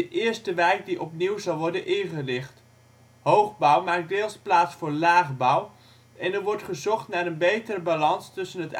eerste wijk die opnieuw zal worden ingericht. Hoogbouw maakt deels plaats voor laagbouw en er wordt gezocht naar een betere balans tussen